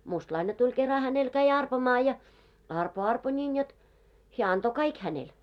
mustalainen tuli kerran hänelle kävi arpomaan ja arpoi arpoi niin jotta hän antoi kaikki hänelle